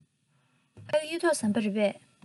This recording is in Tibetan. ཕ གི གཡུ ཐོག ཟམ པ རེད པས